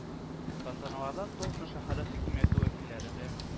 Тантаналарда Тосно шәһәре хакимияте вәкилләре дә